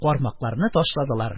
Кармакларны ташладылар,